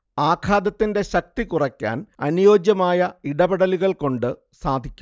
ആഘാതത്തിന്റെ ശക്തി കുറയ്ക്കാൻ അനുയോജ്യമായ ഇടപെടലുകൾകൊണ്ടു സാധിക്കും